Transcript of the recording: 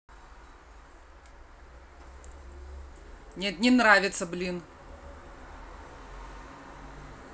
нет не нравится блин